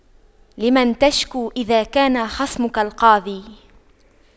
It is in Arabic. لمن تشكو إذا كان خصمك القاضي